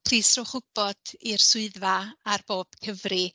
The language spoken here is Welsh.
Plis rhowch wybod i'r swyddfa ar bob cyfri.